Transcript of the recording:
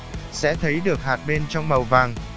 sẽ thấy được hạt bên trong màu vàng ngà